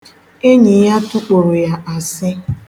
Enyi ya tụkporo ya asị